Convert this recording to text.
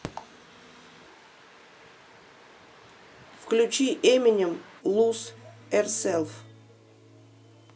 включи эминем луз ерселф